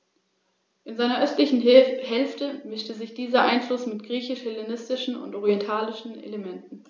Ziel dieses Biosphärenreservates ist, unter Einbeziehung von ortsansässiger Landwirtschaft, Naturschutz, Tourismus und Gewerbe die Vielfalt und die Qualität des Gesamtlebensraumes Rhön zu sichern.